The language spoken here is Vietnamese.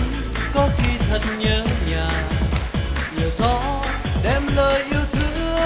lính có khi thật nhớ nhà nhờ gió đem lời